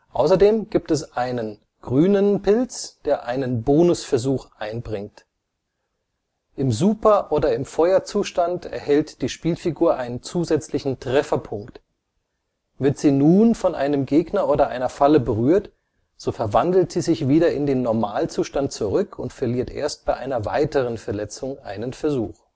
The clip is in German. Außerdem gibt es einen grünen „ 1-UP-Pilz “, der einen Bonusversuch einbringt. Im Super - oder im Feuer-Zustand erhält die Spielfigur einen zusätzlichen Trefferpunkt. Wird sie nun von einem Gegner oder einer Falle berührt, so verwandelt sie sich wieder in den Normal-Zustand zurück und verliert erst bei einer weiteren Verletzung einen Versuch